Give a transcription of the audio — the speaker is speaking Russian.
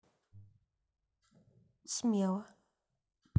смело